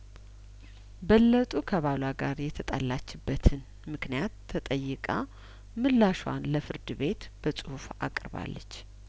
በለጡ ከባሏ ጋር የተጣላችበትን ምክንያት ተጠይቃ ምላሿን ለፍርድ ቤት በጽሁፍ አቅርባለች